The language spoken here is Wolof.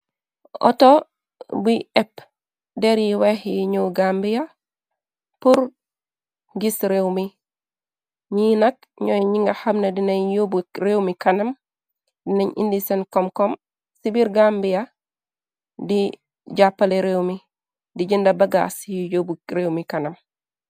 Auto buii épp deri weex yii ñyow Gambia purr gis réewmi ñyi nak ñooy ñi nga xamna dinay yóbbu réewmi kanam dinañ indi seen kom kom ci biir Gambia di jàppale réewmi di jënda bagass yui yóbbu réewmi kanam.